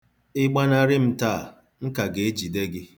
Ị gbanarị m taa, m ka ga-ejide gị.